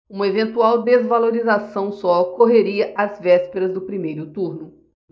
uma eventual desvalorização só ocorreria às vésperas do primeiro turno